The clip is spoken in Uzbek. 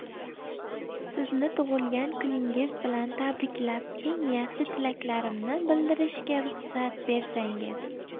sizni tug'ilgan kuningiz bilan tabriklab eng yaxshi tilaklarimni bildirishga ruxsat bersangiz